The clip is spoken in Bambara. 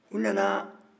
u nana